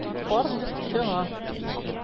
Карт чыга.